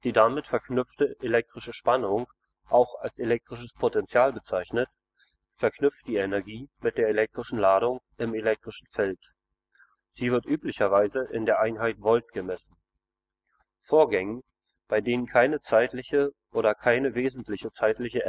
damit verknüpfte elektrische Spannung, auch als elektrisches Potential bezeichnet, verknüpft die Energie mit der elektrischen Ladung im elektrischen Feld. Sie wird üblicherweise in der Einheit Volt gemessen. Vorgänge, bei denen keine zeitliche oder keine wesentliche zeitliche